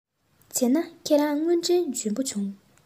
བྱས ན ཁྱེད རང དངོས འབྲེལ འཇོན པོ བྱུང